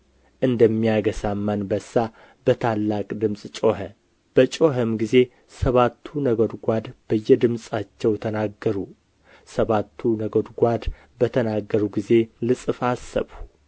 እንደሚያገሣም አንበሳ በታላቅ ድምፅ ጮኸ በጮኸም ጊዜ ሰባቱ ነጐድጓድ በየድምፃቸው ተናገሩ ሰባቱ ነጐድጓድ በተናገሩ ጊዜ ልጽፍ አሰብሁ